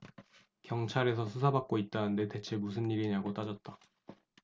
경찰에서 수사받고 있다는데 대체 무슨 일이냐고 따졌다